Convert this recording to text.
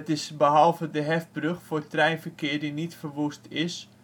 is, behalve de Hefbrug voor treinverkeer die niet verwoest is